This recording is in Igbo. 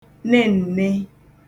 neǹne